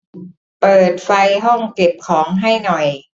เปิดไฟห้องเก็บของให้หน่อย